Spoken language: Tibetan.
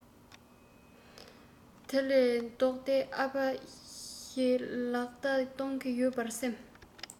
དེ ལས ལྡོག སྟེ ཨ ཕ ཞེས ལག བརྡ གཏོང གི ཡོད པར སེམས